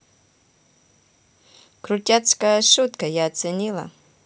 крутяцкая шутка я оценила